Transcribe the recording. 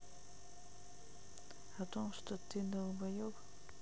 о том что ты долбоеб